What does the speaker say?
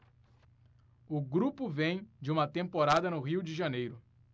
o grupo vem de uma temporada no rio de janeiro